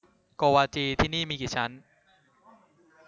โกวาจีที่นี่มีกี่ชั้น